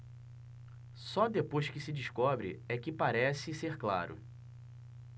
só depois que se descobre é que parece ser claro